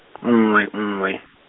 nngwe nngwe.